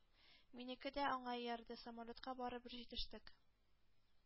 Минеке дә аңа иярде. Самолетка барыбер җитештек.